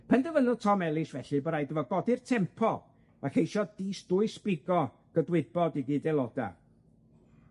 Penderfynodd Tom Ellis felly bo' raid i fo godi'r tempo a cheisio dis- dwys bigo, gydwybod 'i gyd aeloda'.